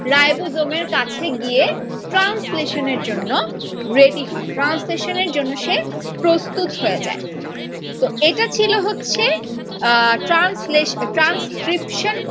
ribosome এর কাছে গিয়ে ট্রান্সলেশন এর জন্য রেডি হয় ট্রান্সলেশন এর জন্য সে প্রস্তুত হয়ে যায় তো এটা ছিল হচ্ছে ট্রানসলেশন ট্রানস্ক্রিপশন